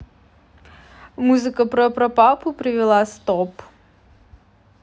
музыка про про папу привела стоп